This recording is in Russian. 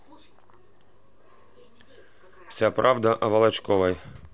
вся правда о волочковой